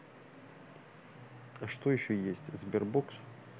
а что есть еще sberbox